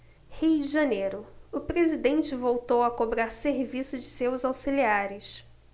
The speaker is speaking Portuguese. rio de janeiro o presidente voltou a cobrar serviço de seus auxiliares